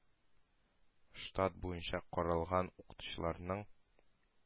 Штат буенча каралган укытучыларның